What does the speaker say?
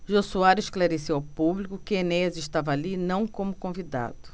jô soares esclareceu ao público que enéas estava ali não como convidado